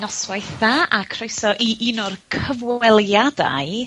Noswaith dda a croeso i un o'r cyfweliadau...